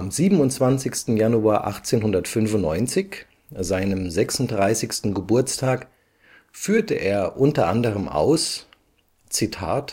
27. Januar 1895, seinem 36. Geburtstag, führte er unter anderem aus: „ Als